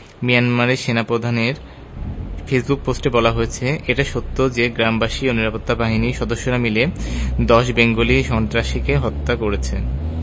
মিয়ানমারের সেনাপ্রধানের ফেসবুক পোস্টে বলা হয়েছে এটা সত্য যে গ্রামবাসী ও নিরাপত্তা বাহিনীর সদস্যরা মিলে ১০ বেঙ্গলি সন্ত্রাসীকে হত্যা করেছে